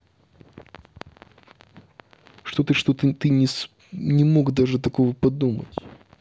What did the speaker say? что ты что то ты не мог даже такого подумать